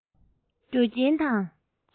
རྒྱུ རྐྱེན དང